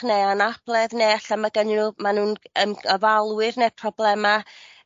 ne' anabledd ne' ella ma' gynnyn n'w ma' nw'n yym ofalwyr ne' problema